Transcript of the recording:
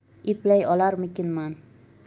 eplay olarmikinman